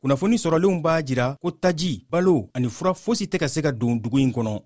kunnafoni sɔrɔlen b'a jira ko taji balo ani fura fosi tɛ se ka don dugu in kɔnɔ